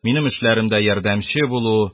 Минем эшләремдә ярдәмче булу -